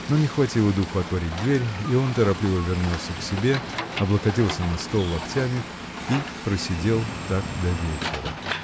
Но не хватило духу отворить дверь, и он торопливо вернулся к себе, облокотился на стол локтями и просидел так до вечера.